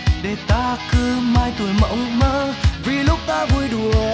để ta cứ mãi tuổi mộng mơ vì lúc ta vui đùa